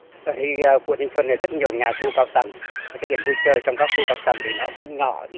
ở đây quận thanh xuân này rất nhiều nhà khu cao tầng các điểm vui chơi trong các khu vực tầng thì nó cũng nhỏ ít